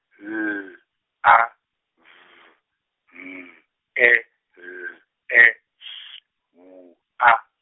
L A V N E L E S W A.